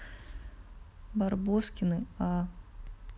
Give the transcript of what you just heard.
барбоскины а